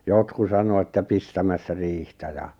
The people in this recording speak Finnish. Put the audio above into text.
jotkut sanoi että pistämässä riihtä ja